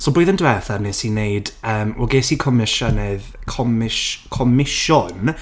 So blwyddyn diwetha wnes i wneud yym... wel ges i comisiynydd comish- comisiwn...